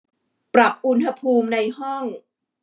ปรับอุณหภูมิในห้อง